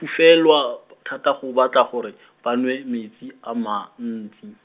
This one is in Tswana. -ufelwa b- thata, go batla gore , ba nwe metsi a mantsi.